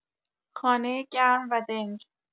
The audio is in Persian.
خانه گرم و دنج